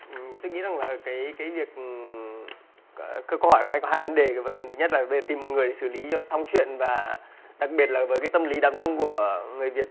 tôi nghĩ rằng là cái cái việc câu hỏi của anh có hai vấn đề thứ nhất là về tìm người xử lý cho xong chuyện và đặc biệt là với cái tâm lý đám đông của người việt